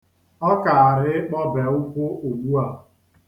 Ọ kaara ịkpọbe ụkwụ ugbua.